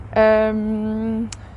Yym.